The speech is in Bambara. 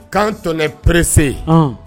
Quand on est pressé an